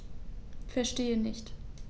Verstehe nicht.